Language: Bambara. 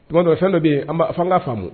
Tuma dɔ fɛn dɔ bɛ fan ka faamumu